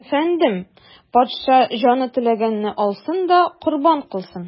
Әфәндем, патша, җаны теләгәнне алсын да корбан кылсын.